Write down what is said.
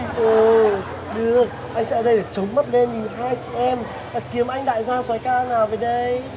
ồ được anh sẽ ở đây để chống mắt lên nhìn hai chị em kiếm anh đại gia soái ca nào về đây